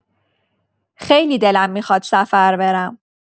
خیلی دلم می‌خواد سفر برم